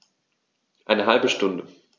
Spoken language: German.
Eine halbe Stunde